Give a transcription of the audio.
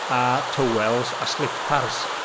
A towels a slipars.